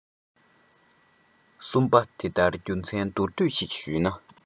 གསུམ པ དེ ལྟར རྒྱུ མཚན མདོར བསྡུས ཤིག ཞུས ན